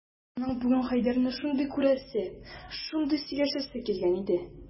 Аның бүген Хәйдәрне шундый күрәсе, шундый сөйләшәсе килгән иде...